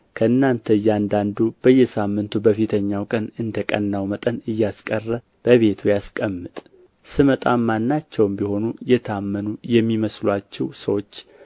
ከእናንተ እያንዳንዱ በየሳምንቱ በፊተኛው ቀን እንደ ቀናው መጠን እያስቀረ በቤቱ ያስቀምጥ ስመጣም ማናቸውም ቢሆኑ የታመኑ የሚመስሉአችሁ ሰዎች